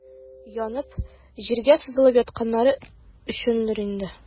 Янып, җиргә сузылып ятканнары өчендер инде.